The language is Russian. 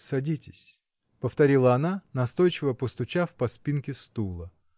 -- Садитесь, -- повторила она, настойчиво постучав по спинке стула.